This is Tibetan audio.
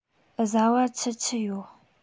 བཟའ བ ཆི ཆི ཡོད